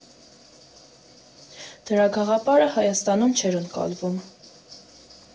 Դրա գաղափարը Հայաստանում չէր ընկալվում.